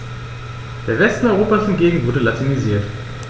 Der Westen Europas hingegen wurde latinisiert.